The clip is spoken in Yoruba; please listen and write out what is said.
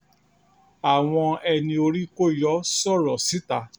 Àwọn Ẹni-orí-kó-yọ sọ̀rọ̀ síta